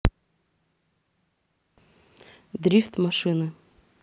дрифт машины